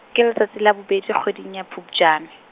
ke letsatsi la bobedi, kgweding ya Phupjane.